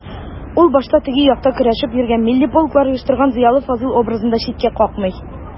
Ул башта «теге як»та көрәшеп йөргән, милли полклар оештырган зыялы Фазыйл образын да читкә какмый.